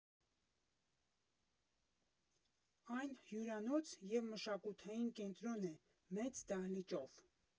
Այն հյուրանոց և մշակութային կենտրոն է՝ մեծ դահլիճով։